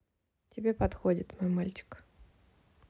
тебе подходит мой мальчик